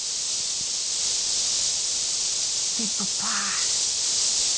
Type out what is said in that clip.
ты тупа